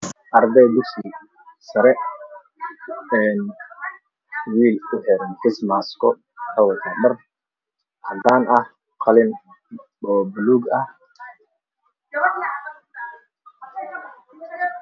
Araday dugsi sare oo uxiran faysmaas waxau wata dhar cadaan ah qalin buluug ah